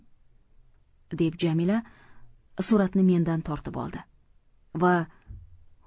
deb jamila suratni mendan tortib oldi va